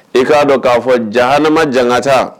I k'a dɔn k'a fɔ jan ne ma janka taa